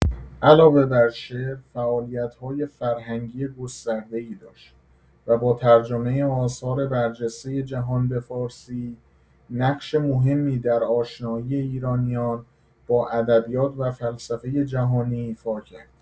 علاوه بر شعر، فعالیت‌های فرهنگی گسترده‌ای داشت و با ترجمه آثار برجسته جهان به فارسی نقش مهمی در آشنایی ایرانیان با ادبیات و فلسفه جهانی ایفا کرد.